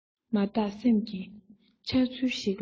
མ བརྟགས སེམས ཀྱི འཆར ཚུལ ཞིག ལ